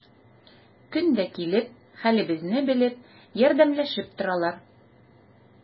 Көн дә килеп, хәлебезне белеп, ярдәмләшеп торалар.